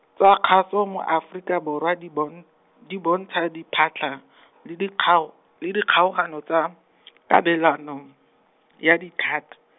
tsa kgaso mo Aforika Borwa di bon-, di bontsha diphatla , le dikgao-, le dikgaogano tsa, kabelano, ya dithata.